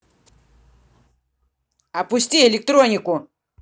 опусти электронику